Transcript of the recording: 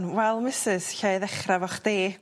...wel misys lle i ddechra efo chdi.